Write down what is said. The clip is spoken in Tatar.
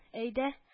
Әйдә